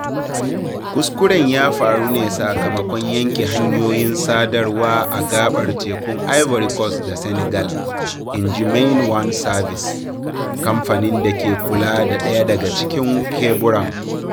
Kuskuren ya faru ne sakamakon yanke hanyoyin sadarwa a gaɓar tekun Ivory Coast da Senegal, in ji Main One Service, kamfanin da ke kula da ɗaya daga cikin keburan.